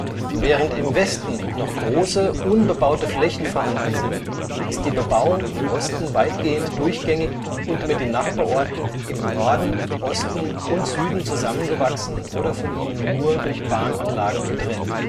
Während im Westen noch große unbebaute Flächen vorhanden sind, ist die Bebauung im Osten weitgehend durchgängig und mit den Nachbarorten im Norden, Osten und Süden zusammengewachsen oder von ihnen nur durch Bahnanlagen getrennt